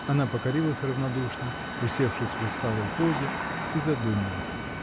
Она покорилась равнодушно, усевшись в усталой позе, и задумалась.